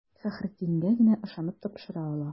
Фәхреддингә генә ышанып тапшыра ала.